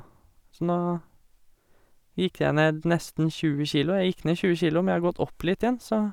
Så nå gikk jeg ned nesten tjue kilo, jeg gikk ned tjue kilo men jeg har gått opp litt igjen, så...